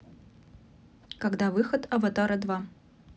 когда выход аватара два